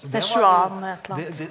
Szechuan ett eller annet.